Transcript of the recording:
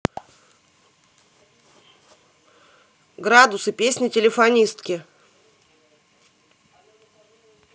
градусы песня телефонистки